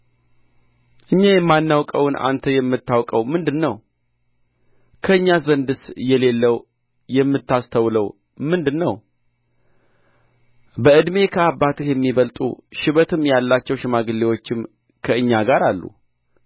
እኛ የማናውቀውን አንተ የምታወቀው ምንድር ነው ከእኛ ዘንድስ የሌለው የምታስተውለው ምንድር ነው በዕድሜ ከአባትህ የሚበልጡ ሽበትም ያላቸው ሽማግሌዎችም ከእኛ ጋር አሉ